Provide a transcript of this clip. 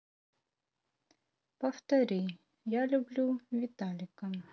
повтори я люблю виталика